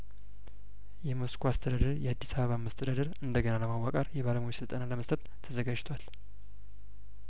የሞስኮ አስተዳደር የአዲስ አበባን መስተዳድር እንደገና ለማዋቀር የባለሙያዎች ስልጠና ለመስጠት ተዘጋጅቷል